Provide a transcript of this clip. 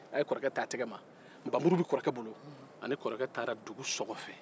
a ye kɔrɔkɛ t'a tɛgɛ ma nbamuru bɛ kɔrɔkɛ bolo ani kɔrɔkɛ taara dugu so kɔfɛ